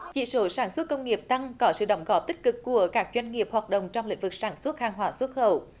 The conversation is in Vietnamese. chỉ số sản xuất công nghiệp tăng có sự đóng góp tích cực của các doanh nghiệp hoạt động trong lĩnh vực sản xuất hàng hóa xuất khẩu